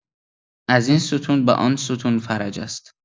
از این ستون به آن ستون فرج است